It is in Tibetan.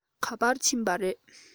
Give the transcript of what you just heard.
ག པར ཕྱིན པ རེད